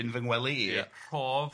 Yn fy ngwely i. 'Rhof,'